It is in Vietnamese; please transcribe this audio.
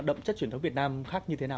đậm chất truyền thống việt nam khác như thế nào